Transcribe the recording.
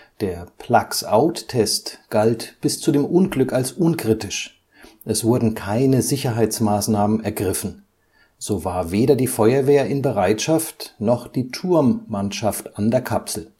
Der Plugs-Out-Test galt bis zu dem Unglück als unkritisch, es wurden keine Sicherheitsmaßnahmen ergriffen; so war weder die Feuerwehr in Bereitschaft noch die Turmmannschaft an der Kapsel